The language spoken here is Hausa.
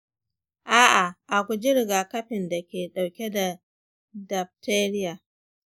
a’a, a guji rigakafin da ke dauke da diptheria.